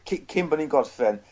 Cy- cyn bo' ni'n gorffen.